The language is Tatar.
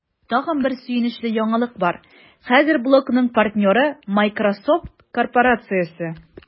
Тагын бер сөенечле яңалык бар: хәзер блогның партнеры – Miсrosoft корпорациясе!